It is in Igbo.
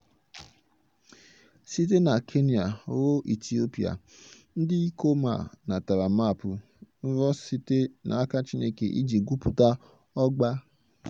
Site na Kenya ruo Etiopia, ndị ikom a natara maapụ nrọ sitere n'aka Chineke iji gwupụta ọgba